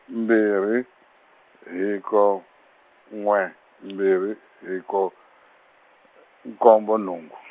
mbirhi, hiko, n'we mbirhi hiko , nkombo nhungu.